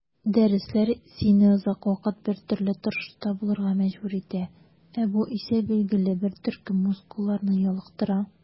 Дәресләр сине озак вакыт бертөрле торышта булырга мәҗбүр итә, ә бу исә билгеле бер төркем мускулларны ялыктыра.